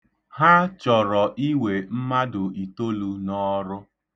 Ha chọrọ iwe mmadụ itolu n'ọrụ.